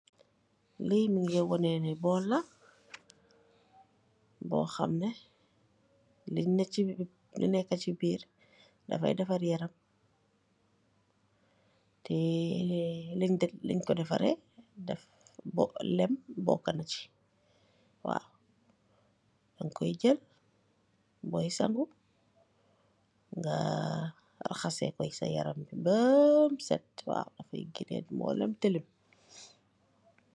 dewwu puur dehfaar yaram.